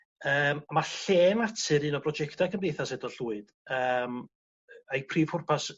yym ma' lle natur un o brojecta Cymdeithas Edward Llwyd yym a'i prif pwrpas